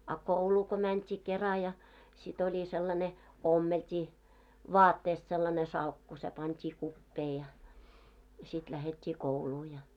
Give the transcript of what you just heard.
a kouluun kun mentiin kera ja sitten oli sellainen ommeltiin vaatteesta sellainen salkku se pantiin kupeeseen ja ja sitten lähdettiin kouluun ja